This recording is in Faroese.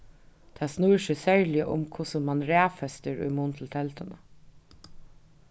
tað snýr seg serliga um hvussu man raðfestir í mun til telduna